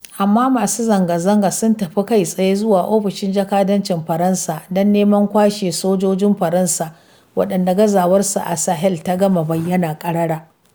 Amma masu zanga-zangar sun tafi kai tsaye zuwa Ofishin Jakadancin Faransa don neman kwashe sojojin Faransa, wanɗanda gazawar su a Sahel ta gama bayyana ƙarara.